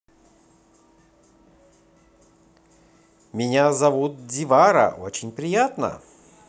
меня зовут дивара очень приятно